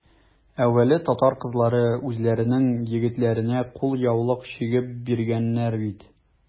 Әүвәле татар кызлары үзләренең егетләренә кулъяулык чигеп биргәннәр бит.